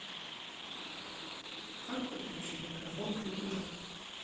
как подключить микрофон к ютубу